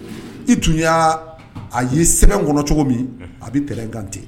I tun y' a'i sɛbɛn kɔnɔ cogo min a bɛ prɛnkante